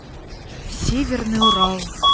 северный урал